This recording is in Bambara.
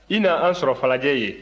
i na an sɔrɔ falajɛ yen